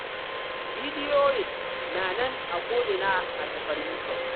Bidiyoyin na nan a ko'ina a kafar 'YouTube'.